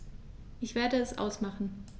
Ich werde es ausmachen